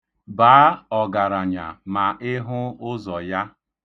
Baa ọgaranya ma ị hụ ụzọ ya.